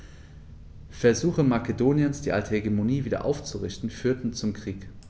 Versuche Makedoniens, die alte Hegemonie wieder aufzurichten, führten zum Krieg.